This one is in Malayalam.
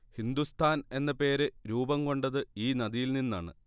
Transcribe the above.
ഹിന്ദുസ്ഥാൻ എന്ന പേര് രൂപം കൊണ്ടത് ഈ നദിയിൽ നിന്നാണ്